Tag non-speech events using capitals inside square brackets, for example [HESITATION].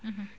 [HESITATION] [HESITATION]